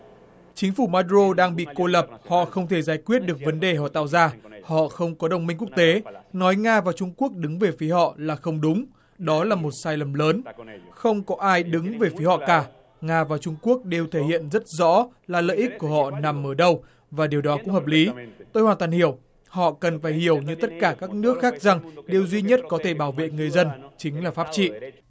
chính phủ ma rô đang bị cô lập họ không thể giải quyết được vấn đề họ tạo ra họ không có đồng minh quốc tế nói nga và trung quốc đứng về phía họ là không đúng đó là một sai lầm lớn không có ai đứng về phía họ cả nga và trung quốc đều thể hiện rất rõ là lợi ích của họ nằm ở đâu và điều đó cũng hợp lý tôi hoàn toàn hiểu họ cần phải hiểu như tất cả các nước khác rằng điều duy nhất có thể bảo vệ người dân chính là pháp trị